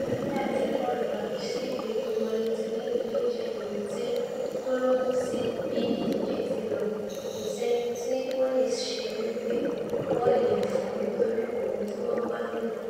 nígbà tí bọ́ọ̀lù àfisíde tówọlé ti Livi leè jẹ́ èyití tólòdì sí bí ìdíje tí ńlọ, kòsí ẹnití o leè ṣẹ́ wí pé wọn yẹ fún un nítorí ohun tíwọ́n gbà nìkan.